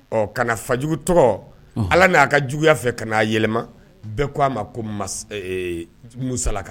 Ɔ kana Fajugu tɔgɔ ala n'a ka juguya fɛ ka n'a yɛlɛma bɛɛ ko a ma ko